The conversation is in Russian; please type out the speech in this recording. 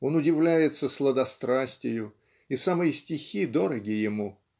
он удивляется сладострастию и самые стихи дороги ему